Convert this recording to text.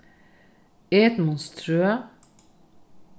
edmundstrøð